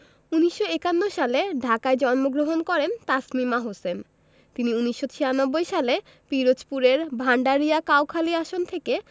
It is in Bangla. ১৯৫১ সালে ঢাকায় জন্মগ্রহণ করেন তাসমিমা হোসেন তিনি ১৯৯৬ সালে পিরোজপুরের ভাণ্ডারিয়া কাউখালী আসন থেকে